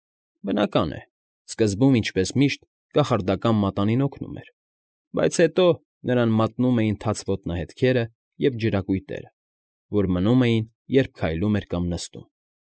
Բնական է, սկզբում, ինչպես միշտ, կախարդական մատանին օգնում էր, բայց հետո նրան մատնում էին թաց ոտնահետքերը և ջրակույտերը, որ մնում էին, երբ քայլում էր կամ նստում։